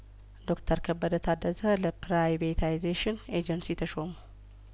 ዶክተር ከበደ ታደሰ ለፕራይቬታይዜሽን ኤጀንሲ ተሾሙ